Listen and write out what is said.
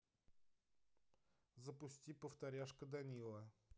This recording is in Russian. запусти повторяшка данила